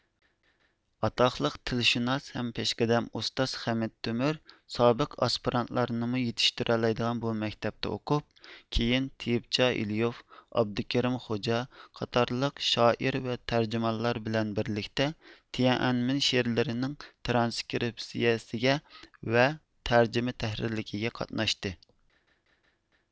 ئاتاقلىق تىلشۇناس ھەم پېشقەدەم ئۇستاز خەمىت تۆمۈر سابىق ئاسپىرانتلارنىمۇ يېتىشتۈرەلەيدىغان بۇ مەكتەپتە ئوقۇپ كىيىن تېيىپچان ئېلىيۇف ئابدۇكېرىم خوجا قاتارلىق شائىر ۋە تەرجىمانلار بىلەن بىرلىكتە تيەنئەنمىن شېئىرلىرى نىڭ ترانسكرېپسىيەسىگە ۋە تەرجىمە تەھرىرلىكىگە قاتناشتى